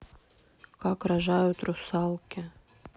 как рожают русалки